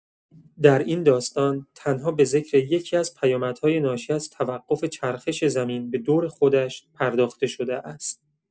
در این داستان تنها به ذکر یکی‌از پیامدهای ناشی از توقف چرخش زمین به دور خودش پرداخته شده است.